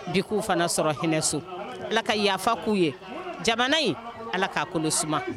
Bi k'u fana sɔrɔ hinɛso Ala ka yafa k'u ye jamana in Ala k'a kolo suma